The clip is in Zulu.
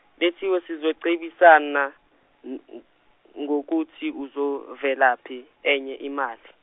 Lethiwe sizocebisana, ngokuthi izovelaphi enye imali.